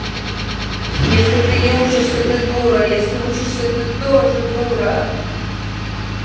если ты не учишься ты дура если учишься ты тоже дура